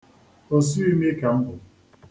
Osuimi ka m bụ.